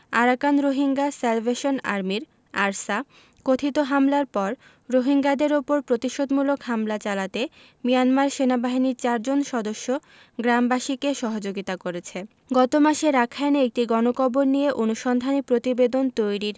Arakan Rohingya salvation আর্মির ARSA কথিত হামলার পর রোহিঙ্গাদের ওপর প্রতিশোধমূলক হামলা চালাতে মিয়ানমার সেনাবাহিনীর চারজন সদস্য গ্রামবাসীকে সহযোগিতা করেছে গত মাসে রাখাইনে একটি গণকবর নিয়ে অনুসন্ধানী প্রতিবেদন তৈরির